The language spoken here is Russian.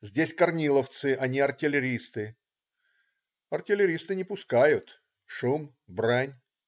Здесь корниловцы, а не артиллеристы!" Артиллеристы не пускают. Шум. Брань.